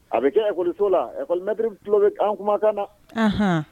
A bɛ kɛ to lari tulolo an kumakan na